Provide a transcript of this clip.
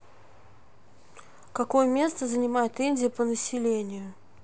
какое место занимает индия по населению